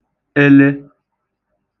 ele